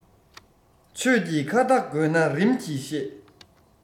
ཆོས ཀྱི ཁ བརྡ དགོས ན རིམ གྱིས བཤད